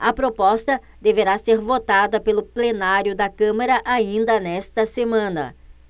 a proposta deverá ser votada pelo plenário da câmara ainda nesta semana